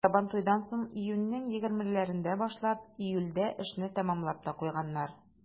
Сабантуйдан соң, июньнең егермеләрендә башлап, июльдә эшне тәмамлап та куйганнар.